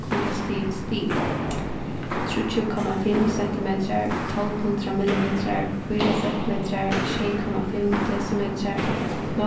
kuldastig stig tríggir komma fimm sentimetrar tólv hundrað millimetrar fýra sentimetrar sjey komma fimm desimetrar